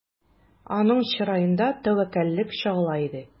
Аның чыраенда тәвәккәллек чагыла иде.